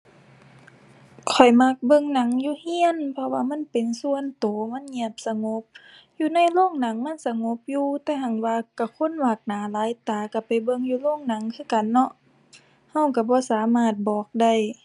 ข้อยมักเบิ่งหนังอยู่เรือนเพราะว่ามันเป็นส่วนเรือน มันเงียบสงบ อยู่ในโรงหนังมันสงบอยู่ แต่หั้นว่าเรือนคนมากหน้าหลายตาเรือนไปเบิ่งอยู่โรงหนังคือกันเนาะ เรือนเรือนบ่สามารถบอกได้